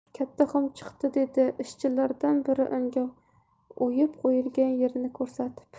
katta xum chiqdi dedi ishchilardan biri unga o'yib qo'yilgan yerni ko'rsatib